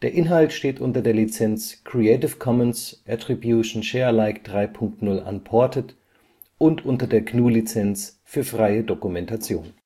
Inhalt steht unter der Lizenz Creative Commons Attribution Share Alike 3 Punkt 0 Unported und unter der GNU Lizenz für freie Dokumentation